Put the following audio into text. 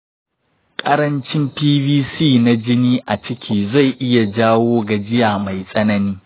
ƙarancin pcv na jini a ciki zai iya jawo gajiya mai tsanani